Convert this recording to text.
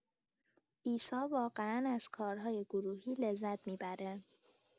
عیسی واقعا از کارهای گروهی لذت می‌بره.